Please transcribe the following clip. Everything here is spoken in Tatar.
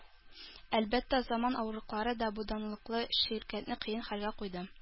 Әлбәттә, заман авырлыклары да бу данлыклы ширкәтне кыен хәлгә куйды.